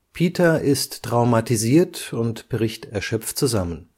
Peter ist traumatisiert und bricht erschöpft zusammen